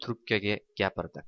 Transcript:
trubkaga gapirdi